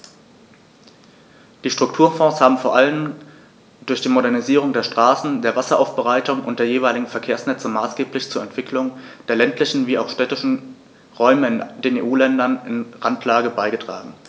Die Strukturfonds haben vor allem durch die Modernisierung der Straßen, der Wasseraufbereitung und der jeweiligen Verkehrsnetze maßgeblich zur Entwicklung der ländlichen wie auch städtischen Räume in den EU-Ländern in Randlage beigetragen.